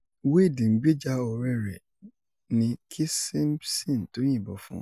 Wayde ń gbèjà ọ̀rẹ́ ẹ̀ ni kí Simpson tó yìnbọn fun un.